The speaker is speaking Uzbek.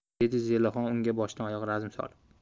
dedi zelixon unga boshdan oyoq razm solib